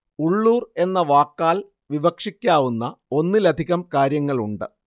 ഉള്ളൂർ എന്ന വാക്കാൽ വിവക്ഷിക്കാവുന്ന ഒന്നിലധികം കാര്യങ്ങളുണ്ട്